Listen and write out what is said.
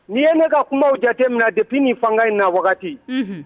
Ni'i ye ne ka kuma jate min na jatep ni fanga in na wagati